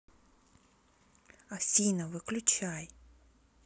афина выключай